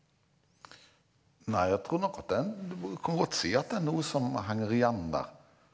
nei jeg tror nok at det er en du kan godt si at det er noe som henger igjen der.